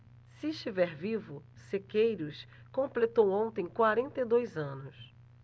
se estiver vivo sequeiros completou ontem quarenta e dois anos